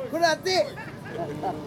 Wulate